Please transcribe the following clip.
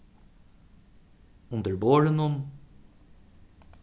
undir borðinum